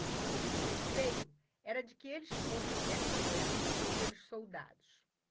o receio era de que eles fossem descobertos pelos soldados